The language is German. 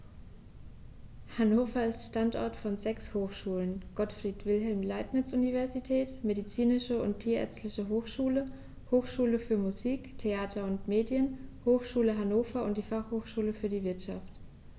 Hannover ist Standort von sechs Hochschulen: Gottfried Wilhelm Leibniz Universität, Medizinische und Tierärztliche Hochschule, Hochschule für Musik, Theater und Medien, Hochschule Hannover und die Fachhochschule für die Wirtschaft.